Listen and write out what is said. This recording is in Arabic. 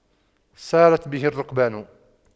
سارت به الرُّكْبانُ